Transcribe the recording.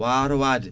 wawata waade